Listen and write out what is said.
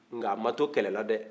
a ma to kɛlɛ la dɛ